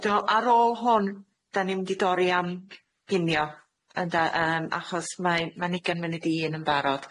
A dwi me'wl ar ôl hwn, dan ni mynd i dorri am ginio ynde yym achos mae ma'n ugen munud i un yn barod.